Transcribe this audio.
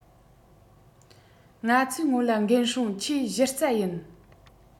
ང ཚོས སྔོན ལ འགན སྲུང ཆེས གཞི རྩ ཡིན